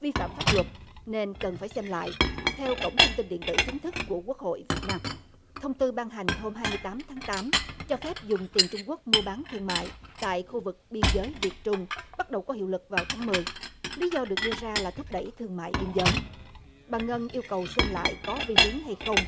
vi phạm pháp luật nên cần phải xem lại theo cổng thông tin điện tử chính thức của quốc hội việt nam thông tư ban hành hôm hai mươi tám tháng tám cho phép dùng tiền trung quốc mua bán thương mại tại khu vực biên giới việt trung bắt đầu có hiệu lực vào tháng mười lý do được đưa ra là thúc đẩy thương mại biên giới bà ngân yêu cầu xem lại có vi hiến hay không